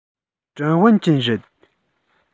ཀྲང ཝུན ཅུན རེད